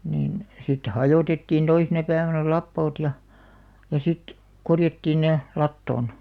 niin sitten hajotettiin toisena päivänä lapoot ja ja sitten korjattiin ne latoon